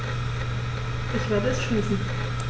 Ich werde es schließen.